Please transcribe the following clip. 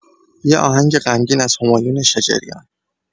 یه آهنگ غمگین از همایون شجریان